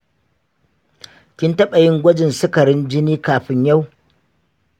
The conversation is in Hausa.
kin taɓa yin gwajin sikarin jini kafin yau?